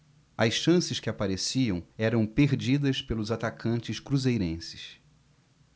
as chances que apareciam eram perdidas pelos atacantes cruzeirenses